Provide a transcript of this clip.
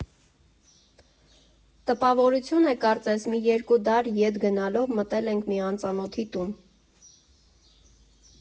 Տպավորություն է կարծես մի երկու դար ետ գնալով մտել եք մի անծանոթի տուն։